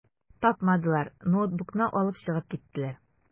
Тапмадылар, ноутбукны алып чыгып киттеләр.